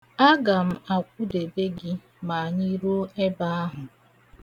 Aga m akwụdebe gị ma anyị ruo ebe ahụ.